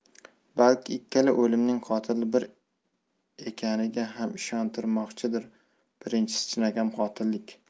balki ikkala o'limning qotili bir ekaniga ham ishontirishmoqchidir birinchisi chinakam qotillik